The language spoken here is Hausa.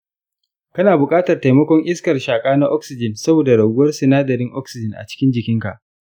kana buƙatar taimakon iskar shaka na oxygen saboda raguwar sinadarin oxygen a cikin jininka.